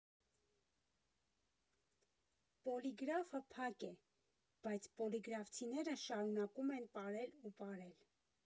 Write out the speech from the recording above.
Պոլիգրաֆը փակ է, բայց պոլիգրաֆցիները շարունակում են պարել ու ապրել։